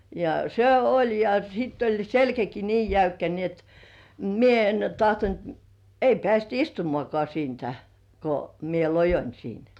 ja se oli ja sitten oli selkäkin niin jäykkä niin että minä en tahtonut ei päästä istumaankaan siitä kun minä loioin siinä